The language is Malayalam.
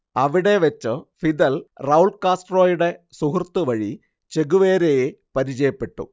അവിടെ വെച്ച് ഫിദൽ റൗൾ കാസ്ട്രോയുടെ സുഹൃത്തു വഴി ചെഗുവേരയെ പരിചയപ്പെട്ടു